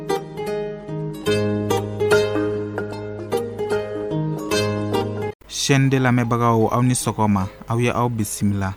Sɛda lamɛnbagaw aw ni sɔgɔma aw ye aw bisimilasin